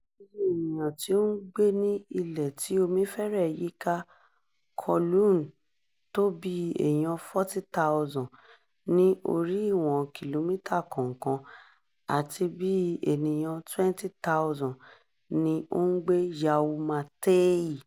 Iye ènìyàn tí ó ń gbé ní ilẹ̀-tí-omí-fẹ́rẹ̀ẹ́-yíká Kowloon tó bíi èèyàn 40,000 ní orí ìwọ̀n kìlómítà kọ̀ọ̀kan, àti bí i ènìyàn 20,000 ni ó ń gbé Yau Ma Tei.